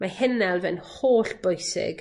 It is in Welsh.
Mae hyn 'n elfen hollbwysig.